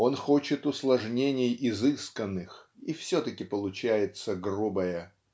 он хочет усложнений изысканных, и все-таки получается грубое.